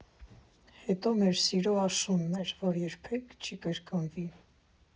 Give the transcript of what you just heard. Հետո մեր սիրո աշունն էր, որ երբեք չի կրկնվի։